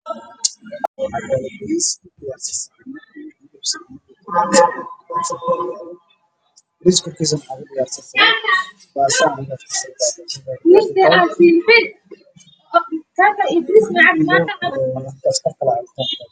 Halkaan waxaa ka muuqdo miis cagaaran oo ay saaran yihiin saxamo cad oo bariis ku jiraan